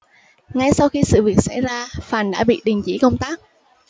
ngay sau khi sự việc xảy ra phàn đã bị đình chỉ công tác